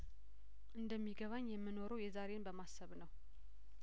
እንደሚገባኝ የምኖረው የዛሬን በማሰብ ነው